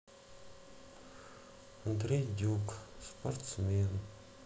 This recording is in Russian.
андрей дюк спортсмен